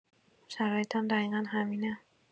شرایطم دقیقا همینه.